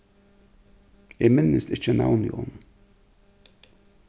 eg minnist ikki navnið á honum